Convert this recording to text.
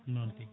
noon tigui